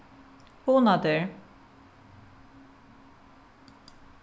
hugna tær